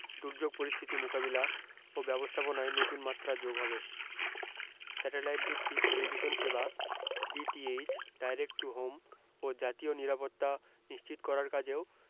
দুর্যোগ পরিস্থিতি মোকাবিলা ও ব্যবস্থাপনায় নতুন মাত্রা যোগ হবে স্যাটেলাইটভিত্তিক টেলিভিশন সেবা ডিটিএইচ ডাইরেক্ট টু হোম ও জাতীয় নিরাপত্তা নিশ্চিত করার কাজেও